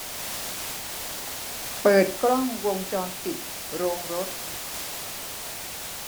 เปิดกล้องวงจรปิดโรงรถ